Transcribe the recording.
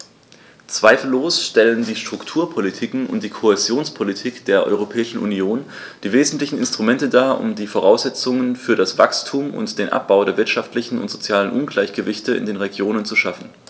Zweifellos stellen die Strukturpolitiken und die Kohäsionspolitik der Europäischen Union die wesentlichen Instrumente dar, um die Voraussetzungen für das Wachstum und den Abbau der wirtschaftlichen und sozialen Ungleichgewichte in den Regionen zu schaffen.